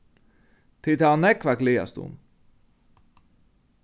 tit hava nógv at gleðast um